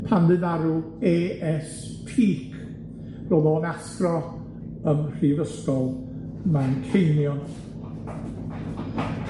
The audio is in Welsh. pan fu farw Ay Ess Peak, ro'dd o'n athro ym Mhrifysgol Manceinion.